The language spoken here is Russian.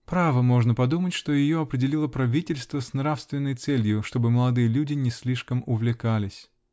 Право, можно подумать, что ее определило правительство с нравственной целью, чтобы молодые люди не слишком увлекались.